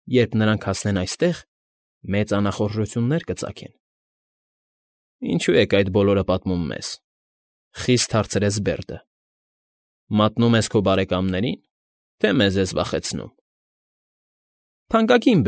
Երբ նրանք հասնեն այստեղ, մեծ անախորժություններ կծագեն։ ֊ Ինչո՞ւ ես այդպես բոլորը պատմում մեզ,֊ խիստ հարցրեց Բերդը։֊ Մատնում ես քո բարեկամների՞ն, թե մեզ ես վախեցնում։ ֊ Թանկագին։